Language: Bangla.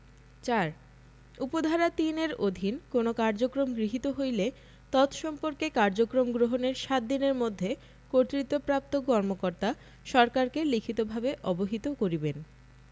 ৪ উপ ধারা ৩ এর অধীন কোন কার্যক্রম গৃহীত হইলে তৎসম্পর্কে কার্যক্রম গ্রহণের ৭ দিনের মধ্যে কর্তৃত্বপ্রাপ্ত কর্মকর্তা সরকারকে লিখিতভাবে অবহিত করিবেন